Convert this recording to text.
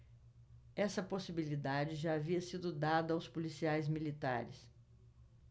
essa possibilidade já havia sido dada aos policiais militares